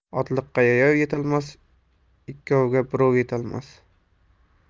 otliqqa yayov yetolmas ikkovga birov botolmas